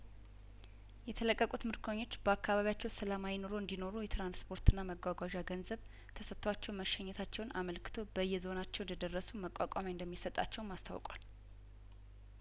የተለቀቁት ምርኮኞች በአካባቢያቸው ሰላማዊ ኑሮ እንዲ ኖሩ የትራንስፖርትና መጓጓዣ ገንዘብ ተሰጥቷቸው መሸኘታቸውን አመልክቶ በየዞ ናቸው እንደደረሱ መቋቋሚያ እንደሚሰጣቸውም አስታውቋል